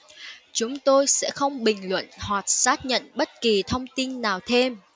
chúng tôi sẽ không bình luận hoặc xác nhận bất kỳ thông tin nào thêm